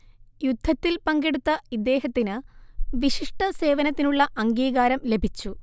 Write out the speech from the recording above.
യുദ്ധത്തിൽ പങ്കെടുത്ത ഇദ്ദേഹത്തിന് വിശിഷ്ട സേവനത്തിനുള്ള അംഗീകാരം ലഭിച്ചു